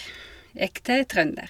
Ekte trønder.